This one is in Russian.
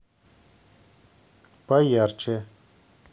поярче